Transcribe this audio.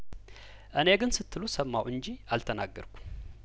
እኔ ግን ስትሉ ሰማሁ እንጂ አልተናገርኩም